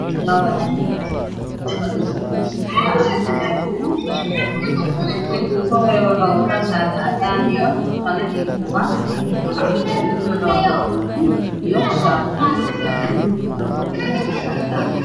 Labo nin baa meshaan fadhiyo midka soo horeeyo waxa uu wataa koofi iyo shaati midka kalana cimaamad iyo qamiis madow ah